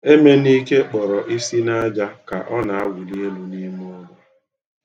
Emenike kpọrọ isi n'aja ka ọ na-awụli elu n'imụlọ.